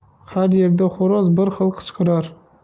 har yerda xo'roz bir xil qichqirar